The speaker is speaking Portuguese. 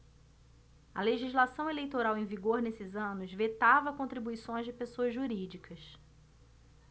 a legislação eleitoral em vigor nesses anos vetava contribuições de pessoas jurídicas